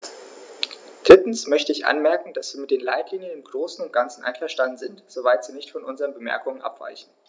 Drittens möchte ich anmerken, dass wir mit den Leitlinien im großen und ganzen einverstanden sind, soweit sie nicht von unseren Bemerkungen abweichen.